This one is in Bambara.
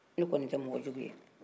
ne kɔni tɛ mɔgɔ jugu ye